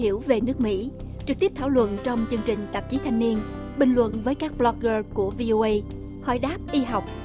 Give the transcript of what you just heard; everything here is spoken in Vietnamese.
hiểu về nước mỹ trực tiếp thảo luận trong chương trình tạp chí thanh niên bình luận với các bờ lóc gơ của vi ô ây hồi đáp y học